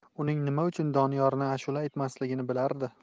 uning nima uchun doniyorni ashula aytmasligini bilardi